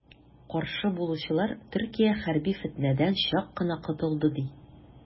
Каршы булучылар, Төркия хәрби фетнәдән чак кына котылды, ди.